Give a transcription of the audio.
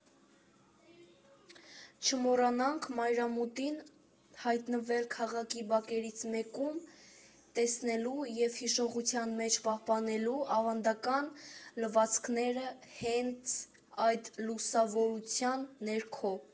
Չմոռանաք մայրամուտին հայտնվել քաղաքի բակերից մեկում՝ տեսնելու և հիշողության մեջ պահպանելու ավանդական լվացքները հենց այդ լուսավորության ներքո։